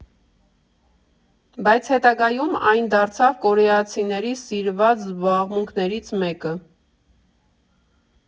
Բայց հետագայում այն դարձավ կորեացիների սիրված զբաղմունքներից մեկը։